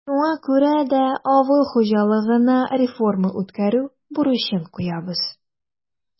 Шуңа күрә дә авыл хуҗалыгына реформа үткәрү бурычын куябыз.